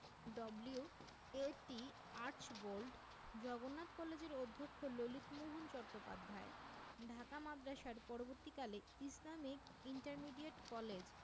W A T Archbold Jagannath কলেজের অধ্যক্ষ ললিতমোহন চট্টোপাধ্যায় ঢাকা মাদ্রাসার পরবর্তীকালে ইসলামিক ইন্টারমিডিয়েট কলেজ